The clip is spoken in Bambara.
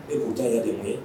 E' diya yɛrɛ de mun ye